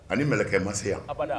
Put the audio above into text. Ani masakɛ ma se yan